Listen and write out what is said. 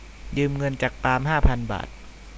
ยืมเงินจากปาล์มห้าพันบาท